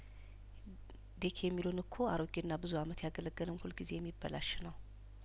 ዴክ የሚሉን እኮ አሮጌና ብዙ አመት ያገለገለ ሁልጊዜ የሚበላሽ ነው